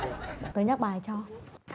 tớ nhắc bài cho